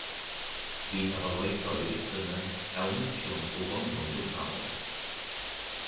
vit hava leitað í rúgvuni av nýggjum og gomlum útgávum